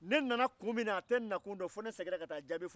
ne nana kun min na a t o dɔn fo ni ne seginna ka taa jaabi fɔ a ye